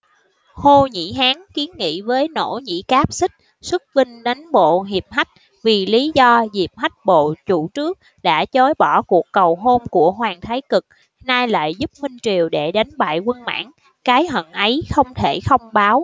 hô nhĩ hán kiến nghị với nỗ nhĩ cáp xích xuất binh đánh bộ diệp hách vì lý do diệp hách bộ chủ trước đã chối bỏ cuộc cầu hôn của hoàng thái cực nay lại giúp minh triều để đánh bại quân mãn cái hận ấy không thể không báo